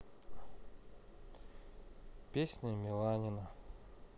песня миланина